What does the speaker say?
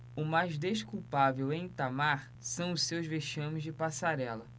o mais desculpável em itamar são os seus vexames de passarela